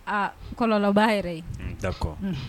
Aa kɔba yɛrɛ ye n tɛ kɔ